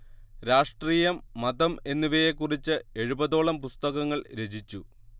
രാഷ്ട്രീയം മതം എന്നിവയെക്കുറിച്ച് എഴുപതോളം പുസ്തകങ്ങൾ രചിച്ചു